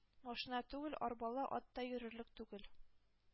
Машина түгел, арбалы ат та йөрерлек түгел.